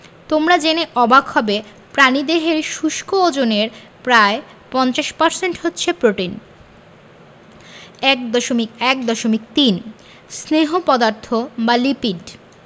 তোমরা জেনে অবাক হবে প্রাণীদেহের শুষ্ক ওজনের প্রায় ৫০% হচ্ছে প্রোটিন ১.১.৩ স্নেহ পদার্থ বা লিপিড